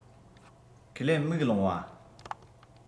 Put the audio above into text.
ཁས ལེན མིག ལོང བ